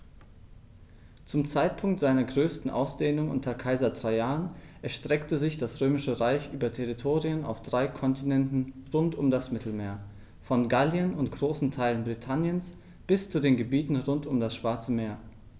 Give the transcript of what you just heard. Zum Zeitpunkt seiner größten Ausdehnung unter Kaiser Trajan erstreckte sich das Römische Reich über Territorien auf drei Kontinenten rund um das Mittelmeer: Von Gallien und großen Teilen Britanniens bis zu den Gebieten rund um das Schwarze Meer.